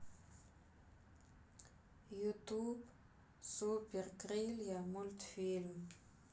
ютуб супер крылья мультфильм